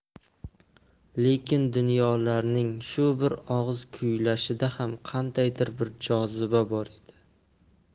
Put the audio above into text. lekin doniyorning shu bir og'iz kuylashida ham qandaydir bir joziba bor edi